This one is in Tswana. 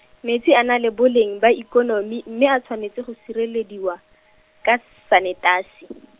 metsi a na le boleng ba ikonomi mme a tshwanetse go sirelediwa, ka s- sanetasi.